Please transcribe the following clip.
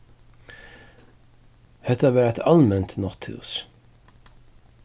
hetta var eitt alment nátthús